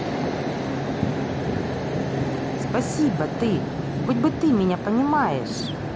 спасибо ты хоть бы ты меня понимаешь